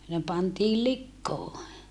ne pantiin likoon